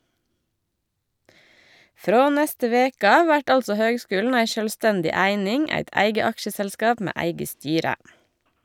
Frå neste veke av vert altså høgskulen ei sjølvstendig eining, eit eige aksjeselskap med eige styre.